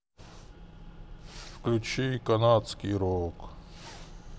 включи канадский рок